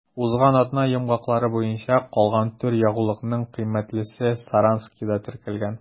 Узган атна йомгаклары буенча калган төр ягулыкның кыйммәтлесе Саранскида теркәлгән.